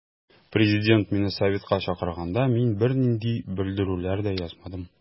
Президент мине советка чакырганда мин бернинди белдерүләр дә язмадым.